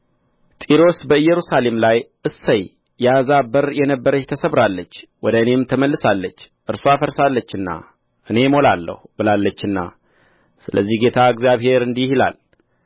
ጢሮስ በኢየሩሳሌም ላይ እሰይ የአሕዛብ በር የነበረች ተሰብራለች ወደ እኔም ተመልሳለች እርስዋ ፈርሳለችና እኔ እሞላለሁ ብላለችና ስለዚህ ጌታ እግዚአብሔር እንዲህ ይላል